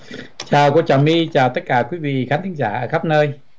chào cô trà my chào tất cả quý vị khán thính giả khắp nơi